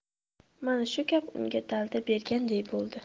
mana shu gap unga dalda berganday bo'ldi